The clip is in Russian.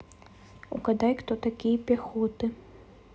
угадай кто такие пехоты